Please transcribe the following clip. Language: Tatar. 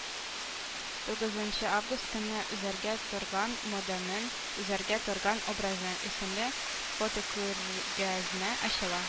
Тугызынчы август көнне “Үзгәрә торган моданың үзгәрә торган образы” исемле фотокүргәзмә ачыла